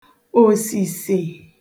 òsìsè